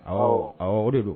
Awɔ, o de don.